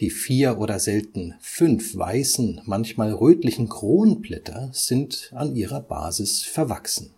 4 oder selten 5 weißen, manchmal rötlichen Kronblätter sind an ihrer Basis verwachsen